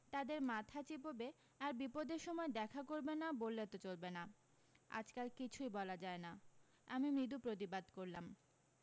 তাদের মাথা চিবোবে আর বিপদের সময় দেখা করবে না বললে তো চলবে না আজকাল কিছুই বলা যায় না আমি মৃদু প্রতিবাদ করলাম